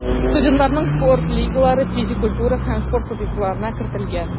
Студентларның спорт лигалары физик культура һәм спорт субъектларына кертелгән.